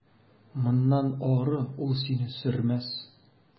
Моннан ары ул сине сөрмәс.